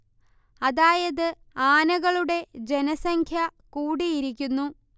അതായത് ആനകളുടെ ജനസംഖ്യ കൂടിയിരിക്കുന്നു